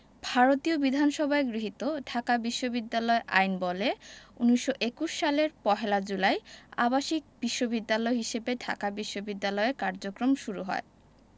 ভারতীয় বিধানসভায় গৃহীত ঢাকা বিশ্ববিদ্যালয় আইনবলে ১৯২১ সালের পহেলা জুলাই আবাসিক বিশ্ববিদ্যালয় হিসেবে ঢাকা বিশ্ববিদ্যালয়ের কার্যক্রম শুরু হয়